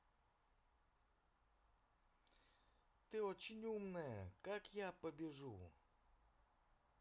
ты очень умная как я побежу